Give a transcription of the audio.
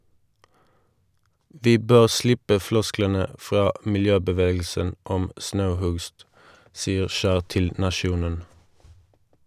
Vi bør slippe flosklene fra miljøbevegelsen om snauhugst, sier Kjær til Nationen.